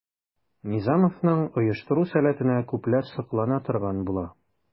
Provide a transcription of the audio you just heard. Низамовның оештыру сәләтенә күпләр соклана торган була.